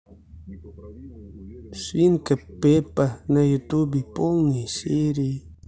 свинка пеппа на ютубе полные серии